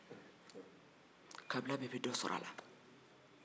kabila bɛɛ bɛ dɔ sɔrɔ a la